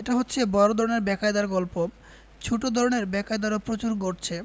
এটা হচ্ছে বড় ধরনের বেকায়দার গল্প ছোট ধরনের বেকায়দাও প্রচুর ঘটছে